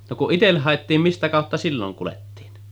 no kun itselle haettiin mistä kautta silloin kuljettiin